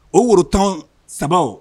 O worotɔn saba